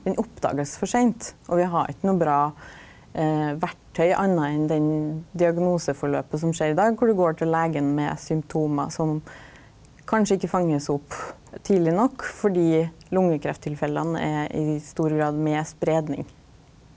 den oppdagast for seint, og vi har ikkje noko bra verktøy anna enn den diagnoseforløpet som skjer i dag kor du går til legen med symptom som kanskje fangast opp tidleg nok fordi lungekrefttilfella er i stor grad med spreiing.